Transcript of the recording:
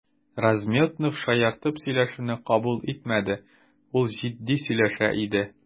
Размётнов шаяртып сөйләшүне кабул итмәде, ул җитди сөйләшә иде.